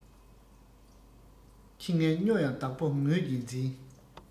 ཁྱི ངན སྨྱོ ཡང བདག པོ ངོས ཀྱིས འཛིན